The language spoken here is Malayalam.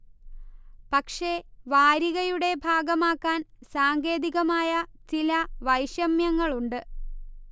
പക്ഷെ വാരികയുടെ ഭാഗമാക്കാൻ സാങ്കേതികമായ ചില വൈഷമ്യങ്ങളുണ്ട്